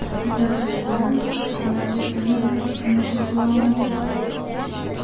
Д’Артаньян хезмәтчесенең тынычсызлануын сизде.